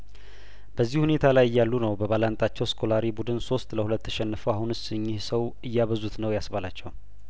በዚህ ሁኔታ ላይ እያሉ ነው በባላንጣቸው ስኮላሪ ቡድን ሶስት ለሁለት ተሸንፈው አሁንስ እኚህ ሰው እያበዙት ነው ያስባላቸው